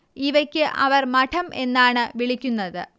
ഇവയ്ക്ക് അവർ മഠം എന്നാണ് വിളിക്കുന്നത്